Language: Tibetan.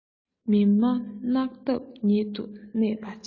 མི སྨྲ ནགས འདབས ཉིད དུ གནས པར བྱ